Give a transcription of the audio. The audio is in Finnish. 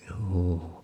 joo